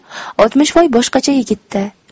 ammo oltmishvoy boshqacha yigit da